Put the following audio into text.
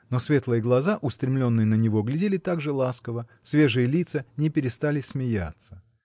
но светлые глаза, устремленные на него, глядели так же ласково, свежие лица не перестали смеяться.